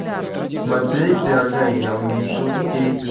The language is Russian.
смотреть дорогая я уменьшил детей